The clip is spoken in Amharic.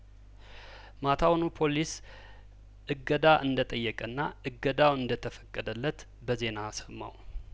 ማታውኑ ፖሊስ እገዳ እንደጠየቀና እገዳው እንደተፈቀደለት በዜና ሰማሁ